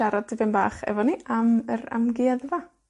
...siarad tipyn bach efo ni am yr amgueddfa.